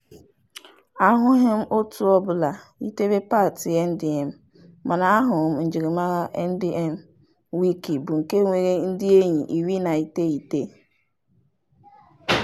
Ahụghị m òtù ọbụla yitere paati MDM, mana ahụrụ m njirimara MDMWIKI bụ nke nwere ndị enyi iri na iteghete (19).